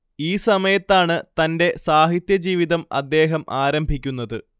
ഈ സമയത്താണ് തന്റെ സാഹിത്യ ജീവിതം അദ്ദേഹം ആരംഭിക്കുന്നത്